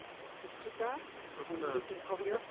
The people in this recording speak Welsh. Ma' hwnna'n gwestiwn da... ma' hwnna ...dwi'm hyd yn oed yn cofio.